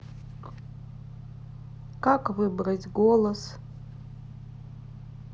как выбрать голос